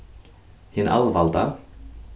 hin alvalda